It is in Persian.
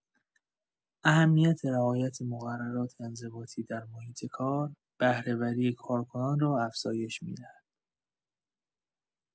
اهمیت رعایت مقررات انضباطی در محیط کار، بهره‌وری کارکنان را افزایش می‌دهد.